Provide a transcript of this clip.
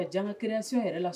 Ɛjan ŋa création yɛrɛ la s